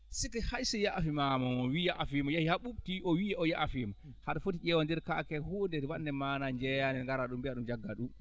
siike hay so yaafimaama wiyi yaafiima yehi ɓuuɓtii o wiyi o yaafiima haɗa foti ƴeewde ndeer kaake hee huunde waɗnde maanaa njeeyaa nde ngara mbiyaa ɗum jaggaa ɗum